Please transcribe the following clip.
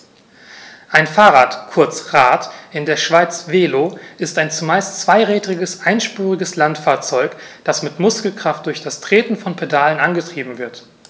Ein Fahrrad, kurz Rad, in der Schweiz Velo, ist ein zumeist zweirädriges einspuriges Landfahrzeug, das mit Muskelkraft durch das Treten von Pedalen angetrieben wird.